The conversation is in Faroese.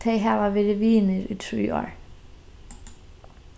tey hava verið vinir í trý ár